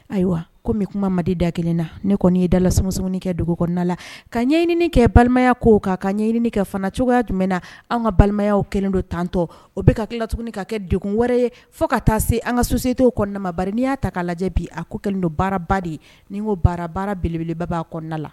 Ayiwa ko min kuma mali di da kelen na ne kɔni ye dalalamisɛn kɛ dugu kɔnɔna la ka ɲɛɲiniini kɛ balimaya ko kan ka ɲɛɲiniini kɛ fana cogoyaya jumɛn na an ka balimayaw kɛlen don tantɔ o bɛka ka tilala tuguni ka kɛ de wɛrɛ ye fɔ ka taa se an ka so sete kɔnɔnamaba n'i y'a ta'a lajɛ bi a ku kɛlen don baaraba de ye ni ko baara baara belebelebabaaa kɔnɔna la